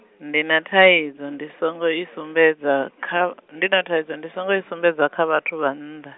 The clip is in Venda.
ndi na thaidzo ndi songo i sumbedza kha, ndi na thaidzo ndi songo i sumbedza kha vhathu vha nnḓa.